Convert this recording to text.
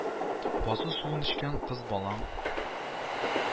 Базы суын эчкән кыз балаң